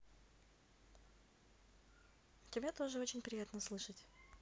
тебя тоже очень приятно слышать